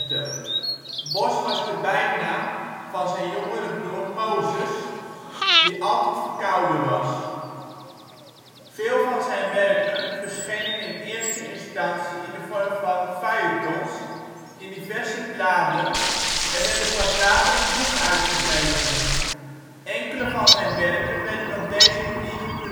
1836). ' Boz ' was de bijnaam van zijn jongere broer Moses, die altijd verkouden was. Veel van zijn werken verschenen in eerste instantie in de vorm van feuilletons in diverse bladen en werden pas later als boek uitgegeven. Enkele van zijn werken werden op deze manier gepubliceerd